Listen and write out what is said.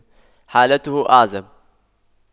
حالته أعزب